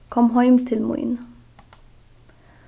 kom heim til mín